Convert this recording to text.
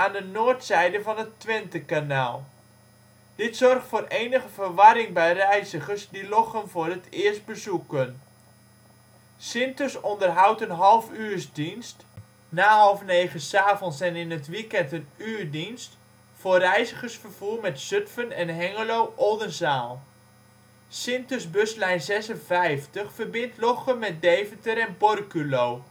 de noordzijde van het Twentekanaal. Dit zorgt voor enige verwarring bij reizigers die Lochem voor het eerst bezoeken. Syntus onderhoudt een halfuursdienst (na ca. 20:30 en in het weekend een uurdienst) voor reizigersvervoer met Zutphen en Hengelo – Oldenzaal. Syntus buslijn 56 verbindt Lochem met Deventer en Borculo